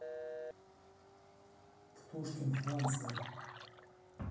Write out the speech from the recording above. птушкин франция